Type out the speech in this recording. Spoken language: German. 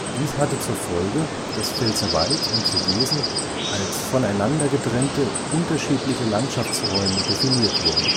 Dies hatte zur Folge, dass Pfälzerwald und Vogesen als voneinander getrennte unterschiedliche Landschaftsräume definiert wurden